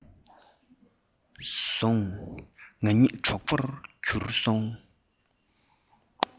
བཟུང ང གཉིས གྲོགས པོར གྱུར སོང